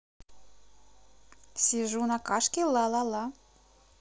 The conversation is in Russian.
сижу на кашке лалала